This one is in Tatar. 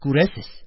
Күрәсез,